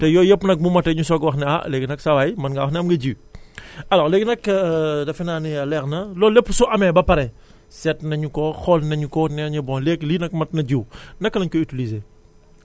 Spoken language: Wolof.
te yooyu yëpp nag bu motee ñu soog a wax ne ah léegi nag saa waay mën ngaa wax ne am nga ji alors léegi nag defe naa ni leer na loolu lépp su amee ba pare seet nañu ko xool nañu ko nee nañu bon léegi lii nag mat na jiw naka lañ koy utiliser